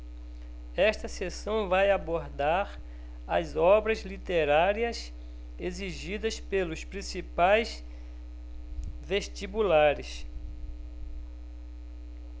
esta seção vai abordar as obras literárias exigidas pelos principais vestibulares